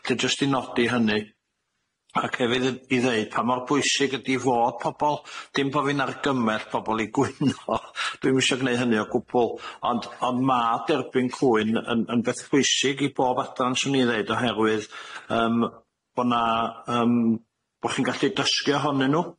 'Lly jyst i nodi hynny ac hefyd y- i ddeud pa mor bwysig ydi fod pobol, dim bo' fi'n argymell pobol i gwyno, dwi'm isio gneu' hynny o gwbwl ond on' ma' derbyn cwyn yn yn beth bwysig i bob adran swn i ddeud oherwydd yym bo' 'na yym bo' chi'n gallu dysgu ohonyn nw,